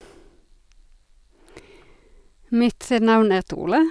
Mitt navn er Tuula.